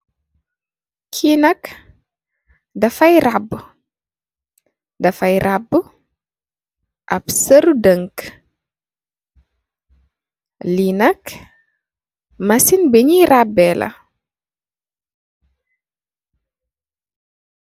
Ki nak dafay raabu, dafay raabu ap seer dënk, li nak masin bi ni rabeh la.